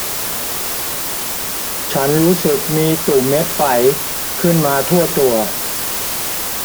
ฉันรู้สึกมีตุ่มเม็ดไฝขึ้นมาทั่วตัว